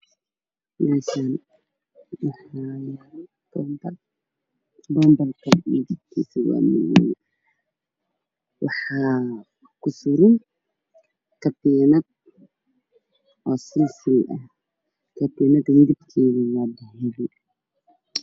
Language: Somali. Meeshaan ay iga muuqda bambalo midabkiisa yahay madow waxaa suran ka teenad ka horkeedu yahay qaran